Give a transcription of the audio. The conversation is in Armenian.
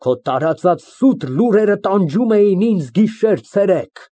Քո տարածած սուտ լուրերը տանջում էին ինձ գիշեր֊ցերեկ։